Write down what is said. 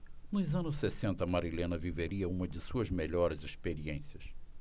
nos anos sessenta marilena viveria uma de suas melhores experiências